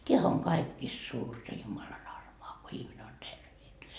tämähän on kaikista suurta Jumalan armoa kun ihminen on terveenä